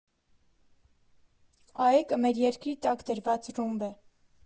ԱԷԿ֊ը մեր երկրի տակ դրված ռումբ է։